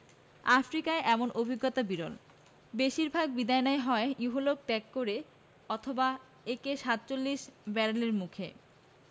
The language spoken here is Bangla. আফ্রিকায় এমন অভিজ্ঞতা বিরল বেশির ভাগ বিদায় নেন হয় ইহলোক ত্যাগ করে অথবা একে ৪৭ ব্যারেলের মুখে